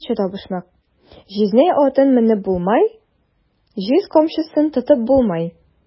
Беренче табышмак: "Җизнәй атын менеп булмай, җиз камчысын тотып булмай!"